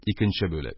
Икенче бүлек